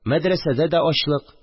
Мәдрәсәдә дә ачлык